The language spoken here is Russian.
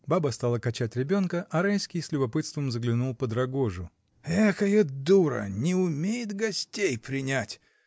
Баба стала качать ребенка, а Райский с любопытством заглянул под рогожу. — Экая дура! не умеет гостей принять!